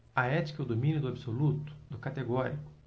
a ética é o domínio do absoluto do categórico